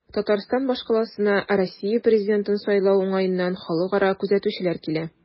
Татарстан башкаласына Россия президентын сайлау уңаеннан халыкара күзәтүчеләр килә.